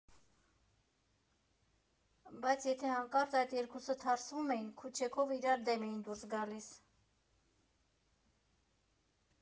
Բայց եթե հանկարծ այդ երկուսը թարսվում էին՝ քուչեքով իրար դեմ էին դուրս գալիս։